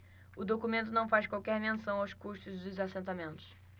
o documento não faz qualquer menção aos custos dos assentamentos